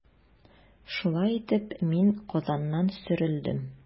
Шулай итеп, мин Казаннан сөрелдем.